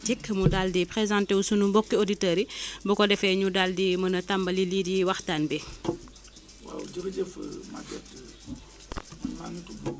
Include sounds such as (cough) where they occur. peut être (hesitation) xëy na mën ngaa am gerte bi nga xamante ni bi mën na mën na mën na germé wala mën na génne ay xob yooyu daf lay wóor ni (breath) soo ko defee doo am kii mi ngi dépendre nag tamit ci kii quoi ci variété yi